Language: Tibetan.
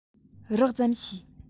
རགས ཙམ ཤེས